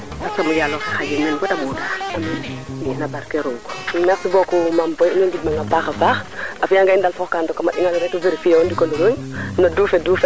nda ba moñong na mos foof le in a doy sik a ɗingale moƴo waago mos yaam wax deg kas ɗik kut i njegu to ga a den no wey weene ka ɓunelo yo nda wax deg in way njala teen wargalo mat